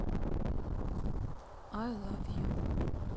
ай лав ю